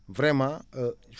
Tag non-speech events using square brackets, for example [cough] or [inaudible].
vraiment [hesitation]